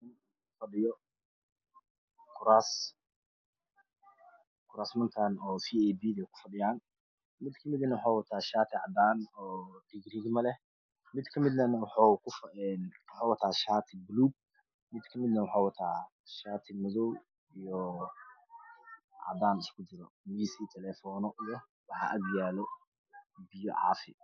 Mashan waa fadhiyo labo nin dharka eey watan waa cadan iyo baluug kurasman ka eey kufadhan waa qahwi waxaa mesh yalo mis kalar kisi waa qahwi